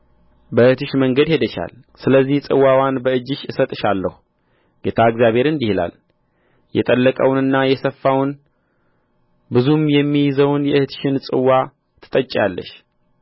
በእኅትሽ መንገድ ሄደሻል ስለዚህ ጽዋዋን በእጅሽ እሰጥሻለሁ ጌታ እግዚአብሔር እንዲህ ይላል የጠለቀውንና የሰፋውን ብዙም የሚይዘውን የእኅትሽን ጽዋ ትጠጪአለሽ